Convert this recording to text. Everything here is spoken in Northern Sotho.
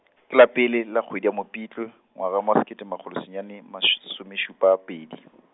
ke la pele la kgwedi ya Mopitlo, ngwaga ma sekete makgolo senyane mas- -somešupa pedi.